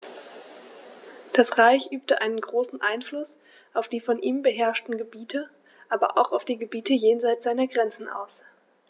Das Reich übte einen großen Einfluss auf die von ihm beherrschten Gebiete, aber auch auf die Gebiete jenseits seiner Grenzen aus.